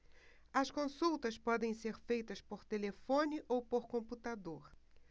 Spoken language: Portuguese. as consultas podem ser feitas por telefone ou por computador